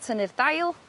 tynnu'r dail